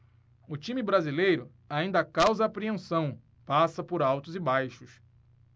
o time brasileiro ainda causa apreensão passa por altos e baixos